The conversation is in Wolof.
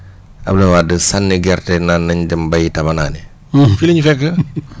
Ablaye Wade sànni gerte naan nañ dem béyi tabanaane fii la ñu fekk